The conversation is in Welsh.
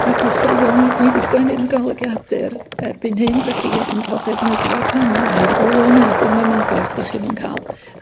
Achos oddwn i dwi 'di sgwennu yn y golygiadur erbyn hyn 'dach chi yn ca'l defnyddio pan mae o na dim ym Mangor 'dach chi'm yn ca'l